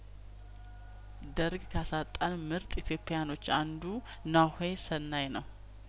ደርግ ካሳጣንምርጥ ኢትዮጵያውያኖች አንዱ ናሆሰናይ ነው